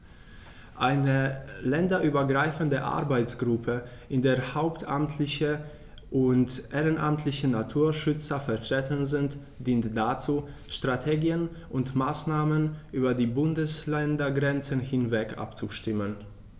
Eine länderübergreifende Arbeitsgruppe, in der hauptamtliche und ehrenamtliche Naturschützer vertreten sind, dient dazu, Strategien und Maßnahmen über die Bundesländergrenzen hinweg abzustimmen.